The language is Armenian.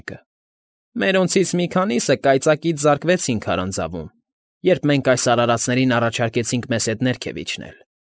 Մեկը։֊ Մերոնցից մի քանիսը կայծակից զարկվեցին քարանձավում, երբ մենք այս արարածներին առաջարկեցինք մեզ հետ ներքև իջնել։